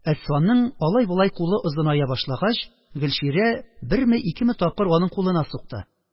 Әсфанның алай-болай кулы озыная башлагач, Гөлчирә берме-икеме тапкыр аның кулына сукты